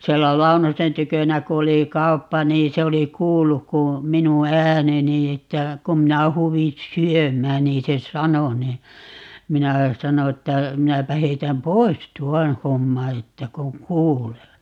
siellä Launosen tykönä kun oli kauppa niin se oli kuullut kun minun ääneni että kun minä huusin syömään niin se sanoi niin minä sanoin että minäpä heitän pois tuon homman että kun kuulee